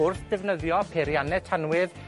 wrth ddefnyddio peirianne tanwydd,